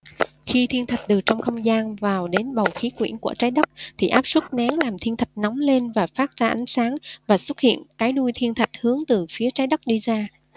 khi thiên thạch từ trong không gian vào đến bầu khí quyển của trái đất thì áp suất nén làm thiên thạch nóng lên và phát ra ánh sáng và xuất hiện cái đuôi thiên thạch hướng từ phía trái đất đi ra